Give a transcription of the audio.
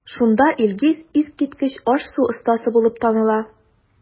Шунда Илгиз искиткеч аш-су остасы булып таныла.